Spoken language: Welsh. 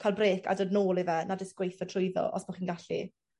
cael brêc a dod nôl i fe na jys gweitho trwyddo os bo' chi'n gallu.